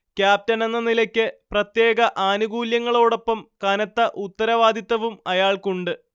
ക്യാപ്റ്റനെന്ന നിലയ്ക്ക് പ്രത്യേക ആനുകൂല്യങ്ങളോടൊപ്പം കനത്ത ഉത്തരവാദിത്തവും അയാൾക്കുണ്ട്